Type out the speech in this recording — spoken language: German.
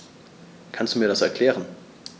Kannst du mir das erklären?